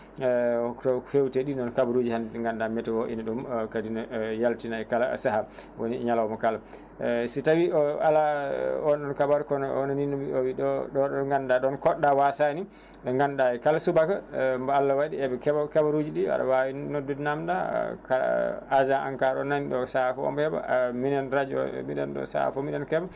ko ko fewti e ɗi ɗon kabaruji hannde ɗi gannduɗa météo ina ɗum kadi ne yaltina kala saaha woni ñalawma kala so tawi o ala on ɗon kabaru kono on ɗo ɗo gannduɗa ɗon koɗɗa wasani ɓe gannduɗa kala subaka mo Allah waɗi eɓe keeɓa kabaruji ɗi aɗa wawi nodndude namdoɗa agent ENCARE o nani saaha foof omo heeɓa minen radio o minen ɗo saaha foof minen keeɓa